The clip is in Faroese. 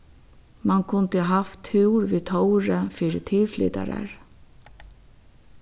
mann kundi havt túr við tórði fyri tilflytarar